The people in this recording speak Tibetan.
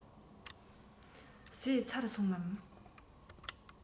ཟོས ཚར སོང ངམ